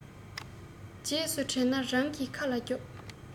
རྗེས སུ དྲན ན རང གི ཁ ལ རྒྱོབ